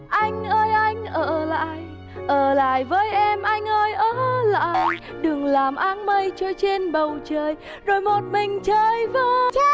anh ơi anh ở lại ở lại với em anh ơi ở lại đừng làm áng mây trôi trên bầu chơi rồi một mình chơi vơi